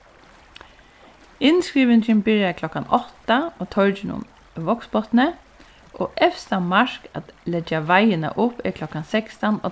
innskrivingin byrjar klokkan átta á torginum í vágsbotni og evsta mark at leggja veiðuna upp er klokkan sekstan á